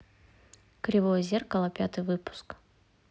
кривое зеркало пятый выпуск